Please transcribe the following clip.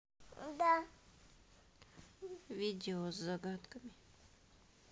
видео с загадками